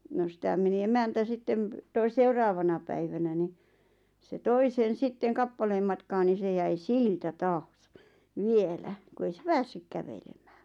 no sitä meni emäntä sitten - seuraavana päivänä niin se toi sen sitten kappaleen matkaa niin se jäi siltä taas vielä kun ei se päässyt kävelemään